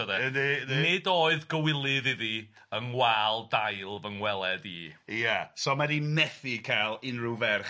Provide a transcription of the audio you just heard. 'Nid oedd gywilydd iddi / Yng ngwâl dail fy ngweled i.' Ia, so mae 'di methu cael unrhyw ferch,